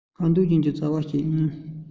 ཁ དོག ཅན གྱི བྱ བ ཞིག ཡིན